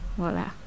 voilà